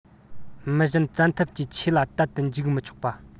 མི གཞན བཙན ཐབས ཀྱིས ཆོས ལ དད དུ འཇུག མི ཆོག པ